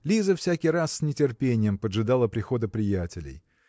Лиза всякий раз с нетерпением поджидала прихода приятелей.